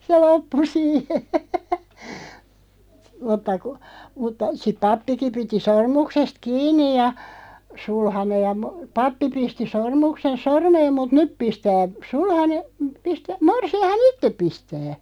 se loppui siihen mutta kun mutta sitten pappikin piti sormuksesta kiinni ja sulhanen ja - pappi pisti sormuksen sormeen mutta nyt pistää sulhanen - morsianhan itse pistää